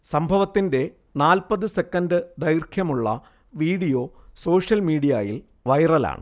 സംഭവത്തിന്റെ നാല്‍പ്പത് സെക്കൻഡ് ദൈർഘ്യമുള്ള വീഡിയോ സോഷ്യൽ മീഡിയായിൽ വൈറലാണ്